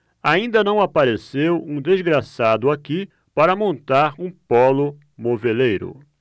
ainda não apareceu um desgraçado aqui para montar um pólo moveleiro